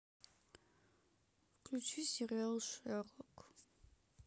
включи сериал шерлок